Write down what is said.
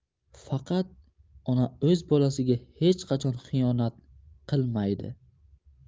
faqat ona o'z bolasiga hech qachon xiyonat qilmaydi